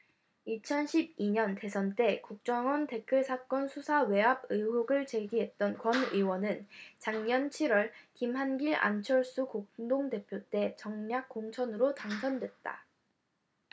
이천 십 이 년 대선 때 국정원 댓글 사건 수사 외압 의혹을 제기했던 권 의원은 작년 칠 월 김한길 안철수 공동대표 때 전략 공천으로 당선됐다